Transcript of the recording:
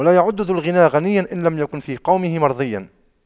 ولا يعد ذو الغنى غنيا إن لم يكن في قومه مرضيا